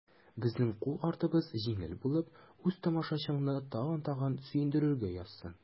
Безнең кул артыбыз җиңел булып, үз тамашачыңны тагын-тагын сөендерергә язсын.